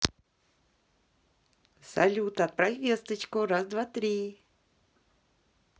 салют отправь весточку раз два три